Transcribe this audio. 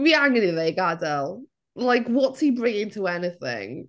Fi angen iddo fe i gadael like what's he bringing to anything?